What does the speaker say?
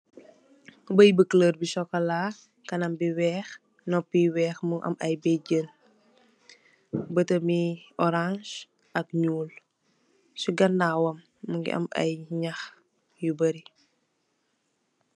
Beye bu color bi sokala, kanaam bi weex nop yi weex mu am ayi bejen battam yi xonrange ak nuul vi ganaawwam mingi am ayi nanh yu bari.